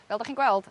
fel 'dach chi'n gweld